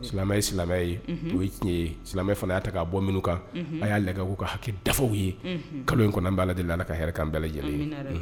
Silamɛ ye silamɛ ye o ye tiɲɛ ye silamɛ fana y'a ta k'a bɔ minnu kan a y'a lajɛ ka hakɛ dafaw ye kalo in kɔnɔ b' delila ala ka bɛɛ lajɛlen